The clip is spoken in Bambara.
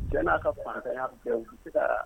Jala ka fanya fɛ la